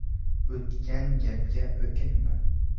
o'tgan gapga o'kinma